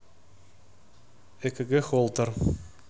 экг холтер